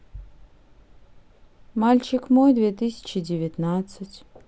мальчик мой две тысячи девятнадцать